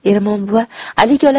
ermon buva alik oladi da